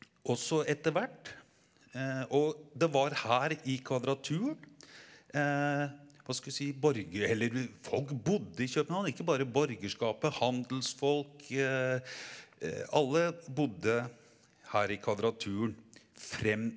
også etter hvert og det var her i Kvadraturen hva skal vi si borgere eller folk bodde i København ikke bare borgerskapet handelsfolk alle bodde her i Kvadraturen frem.